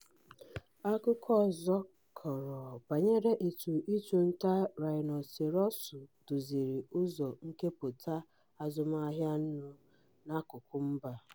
Akụkọ ọzọ kọrọ banyere etu ịchụ nta raịnoserọọsụ duziri uzo nkepụta azụmahịa nnu n'akụkụ mba a .